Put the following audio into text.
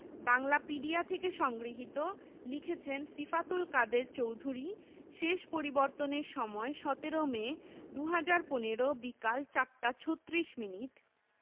বাংলাপিডিয়া থেকে সংগৃহীত লিখেছেন সিফাতুল কাদের চৌধুরী শেষ পরিবর্তনের সময় ১৭ মে ২০১৫ বিকেল ৪টা ৩৬ মিনিট